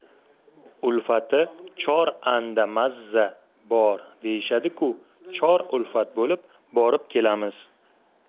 ulfati chor anda maza bor deyishadi ku chor ulfat bo'lib borib kelamiz